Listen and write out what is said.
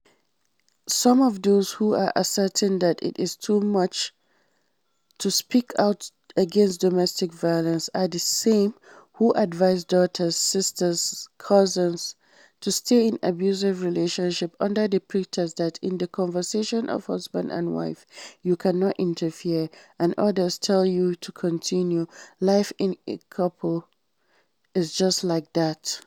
Some of those who are … asserting that it is too much [to speak out against domestic violence], are the same who advise daughters, sisters, and cousins to stay in abusive relationships, under the pretext that in the conversation of husband and wife you cannot interfere, and others tell you to continue, life in a couple is just like that...